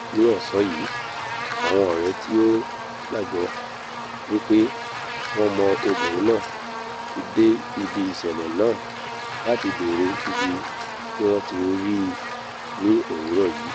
Ní ọ̀sán yìí àwọn ọ̀rẹ́ tí ó gbàgbọ́ wí pé ̀wọn mọ obìnrin náà ti dé ibi ìṣẹ̀lẹ̀ náà láti bèèrè ibití wọ́n ti rí i ni òwúrọ̀ yìí.